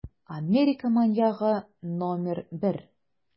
Америка маньягы № 1